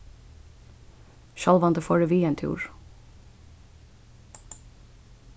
sjálvandi fór eg við ein túr